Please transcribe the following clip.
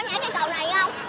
này nghe hông